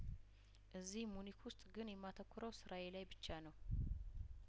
እዚህ ሙኒክ ውስጥ ግን የማተኩረው ስራዬ ላይብቻ ነው